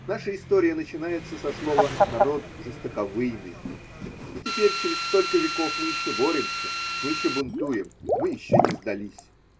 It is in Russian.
Наша история начинается со слова народ жестоковыйный – и теперь, через столько веков, мы еще боремся, мы еще бунтуем, мы еще не сдались.